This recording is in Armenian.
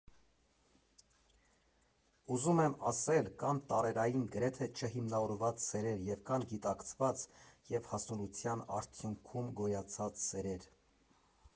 Ուզում եմ ասել՝ կան տարերային, գրեթե չհիմնավորված սերեր և կան գիտակցված և հասունության արդյունքում գոյացած սերեր։